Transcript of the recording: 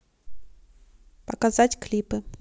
показать клипы